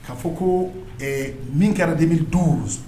Ka' fɔ ko min kɛra de bɛ duru